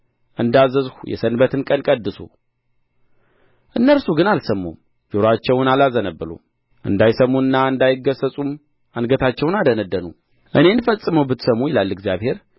እንዳዘዝሁ የሰንበትን ቀን ቀድሱ እነርሱ ግን አልሰሙም ጆሮአቸውን አላዘነበሉም እንዳይሰሙና እንዳይገሠጹም አንገታቸውን አደነደኑ እኔን ፈጽሞ ብትሰሙ ይላል እግዚአብሔር